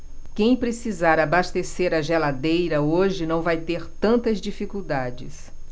quem precisar abastecer a geladeira hoje não vai ter tantas dificuldades